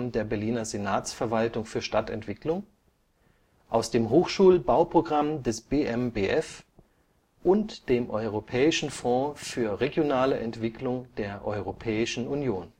der Berliner Senatsverwaltung für Stadtentwicklung, aus dem Hochschulbauprogramm des BMBF und dem Europäischen Fonds für Regionale Entwicklung der Europäischen Union